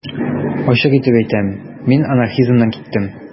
Ачык итеп әйтәм: мин анархизмнан киттем.